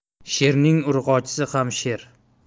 sherning urg'ochisi ham sher